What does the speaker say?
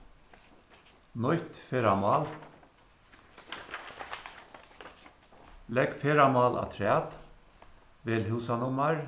nýtt ferðamál legg ferðamál afturat vel húsanummar